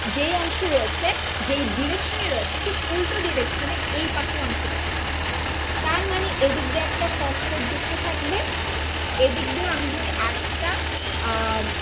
যে অংশে রয়েছে যে ডিরেকশনে রয়েছে ঠিক উল্টো ডিরেকশনে এই পাশের অংশটা থাকবে তারমানে এদিকে একটা ফসফেটযুক্ত থাকবে এদিক দিয়েও আমি যদি আরেকটা